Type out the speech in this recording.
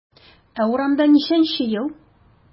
Ә урамда ничәнче ел?